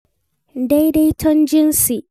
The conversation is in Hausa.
Daidaiton jinsi